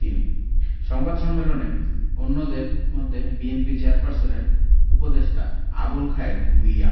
তিনি সংবাদ সম্মেলনে অন্যদের মধ্যে বিএনপি চেয়ারপারসনের উপদেষ্টা আবুল খায়ের ভূইয়া